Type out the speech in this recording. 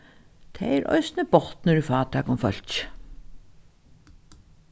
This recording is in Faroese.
tað er eisini botnur í fátækum fólki